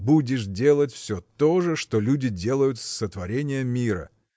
будешь делать все то же, что люди делают с сотворения мира.